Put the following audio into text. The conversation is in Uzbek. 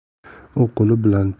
u qo'li bilan changni